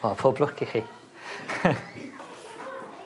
Wel pob lwc i chi.